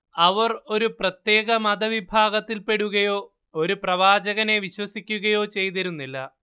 അവർ ഒരു പ്രത്യേക മതവിഭാഗത്തിൽപ്പെടുകയോ ഒരു പ്രവാചകനെ വിശ്വസിക്കുകയോ ചെയ്തിരുന്നില്ല